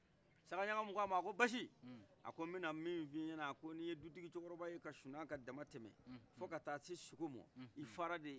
sagaɲagamu ko a ma a ko basi a ko bɛna min fɔ i ɲɛna a ko ni ye dutigicɛkɔrɔba ye ka sunɔgɔ ka damatɛmɛ fo ka taa se suko ma i fara de